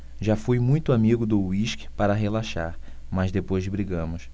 já fui muito amigo do uísque para relaxar mas depois brigamos